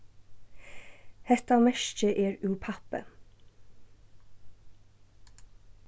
hetta merkið er úr pappi